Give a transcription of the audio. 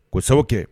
Sababu kɛ